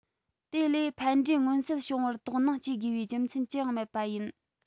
དེ ལས ཕན འབྲས མངོན གསལ བྱུང བར དོགས སྣང སྐྱེ དགོས པའི རྒྱུ མཚན ཅི ཡང མེད པ ཡིན